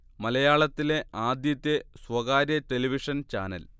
മലയാളത്തിലെ ആദ്യത്തെ സ്വകാര്യ ടെലിവിഷൻ ചാനൽ